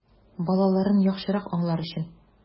Балаларын яхшырак аңлар өчен!